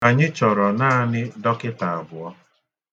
Anyị chọrọ naanị dọkịta abụọ.